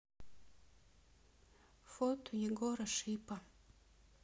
фото егора шипа